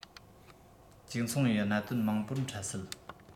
གཅིག མཚུངས པའི གནད དོན མང པོར འཕྲད སྲིད